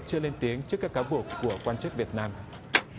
chưa lên tiếng trước các cáo buộc của quan chức việt nam